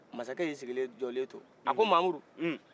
masakɛ y'i jɔlen to a ko mamudu